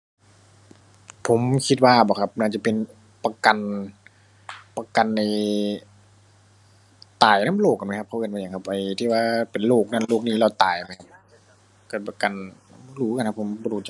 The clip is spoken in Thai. ผมคิดว่าเบาะครับ น่าจะเป็นประกัน ประกันไอ้ ตายนำโรคนั่นแหมครับ เขาเอิ้นว่าหยังครับ ไอ้ที่ว่าเป็นโรคนั่นโรคนี่แล้วตายแหมครับ ก็ประกัน บ่รู้คือกันครับผม บ่รู้จัก